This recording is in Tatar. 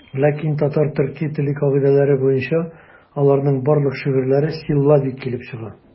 Ләкин татар-төрки теле кагыйдәләре буенча аларның барлык шигырьләре силлабик килеп чыга.